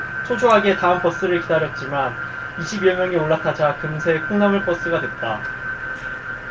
초조하게 다음 버스를 기다렸지만 이십 여 명이 올라타자 금세 콩나물 버스가 됐다